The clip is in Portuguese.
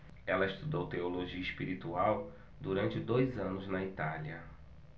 ela estudou teologia espiritual durante dois anos na itália